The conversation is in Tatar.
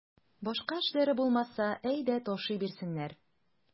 Башка эшләре булмаса, әйдә ташый бирсеннәр.